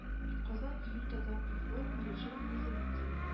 Казан июль татар-информ миләүшә низаметдинова